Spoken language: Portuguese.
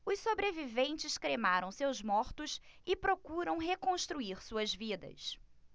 os sobreviventes cremaram seus mortos e procuram reconstruir suas vidas